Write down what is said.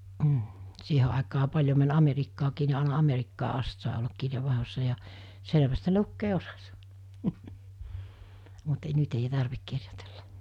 mm siihen aikaan paljon meni Amerikkaankin niin aina Amerikkaan asti sai olla kirjeenvaihdossa ja selvästi se lukea osasi mutta - nyt ei tarvitse kirjoitella